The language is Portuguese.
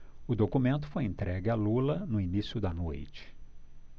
o documento foi entregue a lula no início da noite